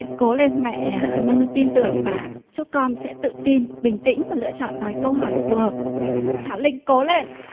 cố lên mẹ luôn tin tưởng và chúc con sẽ tự tin bình tĩnh lựa chọn gói câu hỏi phù hợp thảo linh cố lên